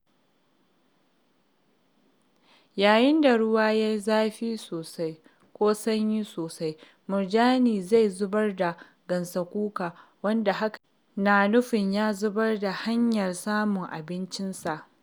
Yayin da ruwa ya yi zafi sosai (ko sanyi sosai), murjani zai zubar da gansakuka - wanda hakan na nufin ya zubar da hanyar samun abincinsa.